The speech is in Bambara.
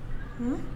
Un